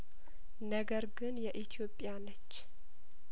ነገር ግን የኢትዮጵያ ነች